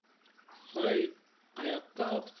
soy qayoqqa oqsa tosh